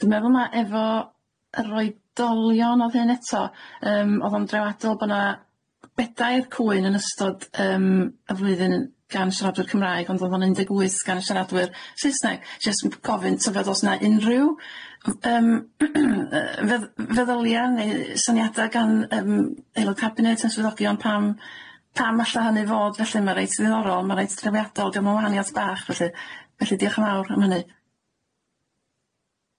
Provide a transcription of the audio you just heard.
Dwi'n meddwl ma' efo yr oedolion odd hyn eto yym odd o'n drawadol bo' na bedair cwyn yn ystod yym y flwyddyn yn gan siaradwyr Cymraeg ond odd o'n un deg wyth gan siaradwyr Saesneg jyst m- gofyn tybed o's na unrhyw yym yy fedd- feddylia' neu yy syniada gan yym aelod cabinet yn swyddogion pam pam alla hynny fod felly ma' reit ddiddorol ma' reit drawiadol dwi me'wl ma' wahaniath bach felly felly diolch yn fawr am hynny.